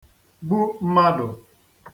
-gbu mmadụ̀